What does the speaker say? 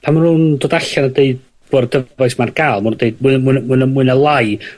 pan ma' nw'n dod allan a deud bod yr dyfais ma' ar ga'l ma' nw'n deud mwy na mwy na mwy na mwy na lai